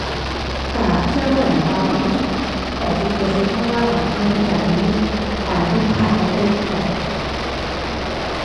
ก็ก็มันประมาณแปดสิบเปอร์เซ็นต์ เพราะว่าบางเที่ยมันก็มีการผิดพลาดกันได้คือกัน